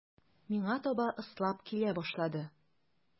Миңа таба ыслап килә башлады.